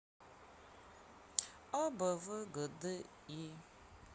а б в г д и